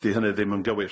'Di hynny ddim yn gywir.